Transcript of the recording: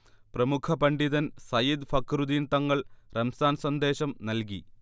പ്രമുഖ പണ്ഡിതൻ സയ്യിദ് ഫഖ്റുദ്ദീൻ തങ്ങൾ റംസാൻ സന്ദേശം നൽകി